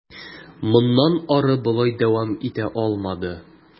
Моннан ары болай дәвам итә алмады.